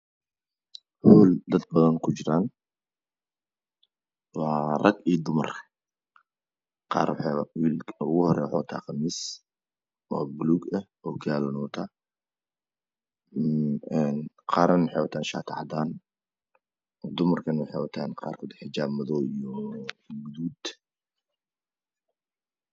Hool dad badan kujiraan waa rag iyo dumar qaar waxay watan wiilka ugu horeeyo wuxuu wataa qamiis oo buluug eh ookiyaalo wataa een qaarna waxay wataan shaati cadaan dumarkana waxay wataan xijaab madoow iyo gaduud